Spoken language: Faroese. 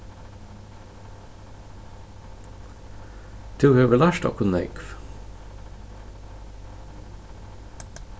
tú hevur lært okkum nógv